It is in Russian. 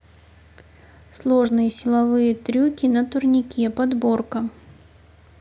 сложные силовые трюки на турнике подборка